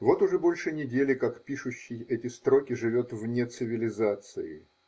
Вот уже больше недели, как пишущий эти строки живет вне цивилизации.